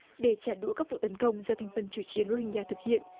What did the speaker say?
để trả đũa các vụ tấn công do thành phần chủ chiến rô hinh gia thực hiện